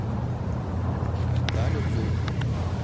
да люблю